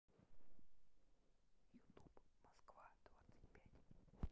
ютуб москва двадцать пять